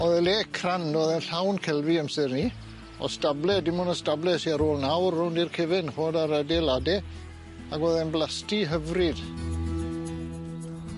O'dd e le crand o'dd e'n llawn celfi amser 'ny o'dd stable dim on' y stable sy ar ôl nawr rownd i'r cefen ch'mod a'r adeilade ag o'dd e'n blasty hyfryd.